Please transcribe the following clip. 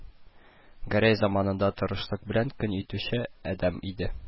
Гәрәй заманында тырышлык белән көн итүче адәм иде